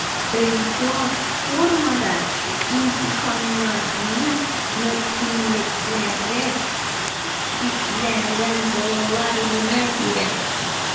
Традицион формада имтиханнарны мөмкинлекләре чикләнгән балалар гына бирәчәк.